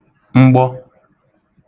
mgbọ